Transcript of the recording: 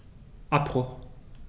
Abbruch.